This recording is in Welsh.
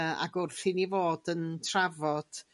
Yy ac wrth i ni fod yn trafod